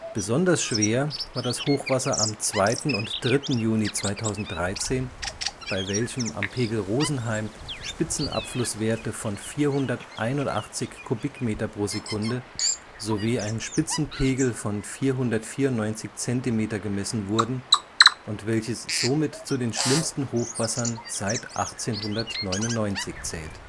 Besonders schwer war das Hochwasser am 2. / 3. Juni 2013, bei welchem am Pegel Rosenheim Spitzenabflusswerte von 481 m³/s sowie ein Spitzenpegel von 494 cm gemessen wurden und welches somit zu den schlimmsten Hochwassern seit 1899 zählt